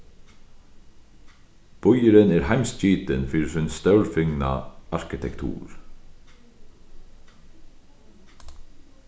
býurin er heimsgitin fyri sín stórfingna arkitektur